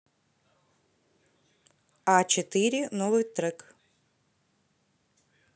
а четыре новый трек